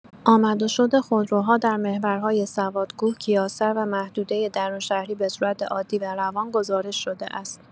آمد و شد خودروها در محورهای سوادکوه، کیاسر و محدوده درون‌شهری به صورت عادی و روان گزارش‌شده است.